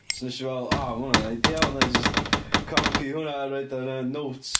So wnes i feddwl, o, mae hwnna'n ideal. Wna i jyst copi hwnna a roid o ar y notes.